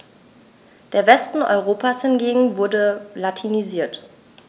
Der Westen Europas hingegen wurde latinisiert.